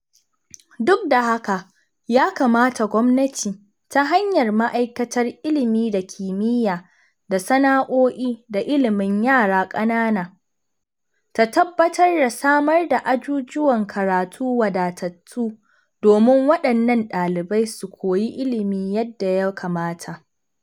Duk da haka, ya kamata Gwamnati, ta hanyar Ma’aikatar Ilimi da Kimiyya da Sana’o’i da Ilimin Yara Ƙanana, ta tabbatar da samar da ajujuwan karatu wadatattu domin waɗannan ɗalibai su koyi ilimi yadda ya kamata.